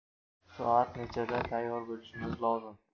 soat nechida tayyor bo'lishimiz lozim